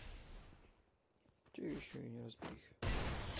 тебе еще и неразберихи